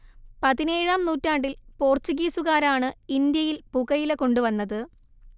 പതിനേഴാം നൂറ്റാണ്ടിൽ പോർച്ചുഗീസുകാരാണ് ഇന്ത്യയിൽ പുകയില കൊണ്ടുവന്നത്